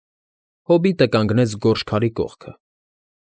Հոբիտը կանգնեց գորշ քարի կողքը։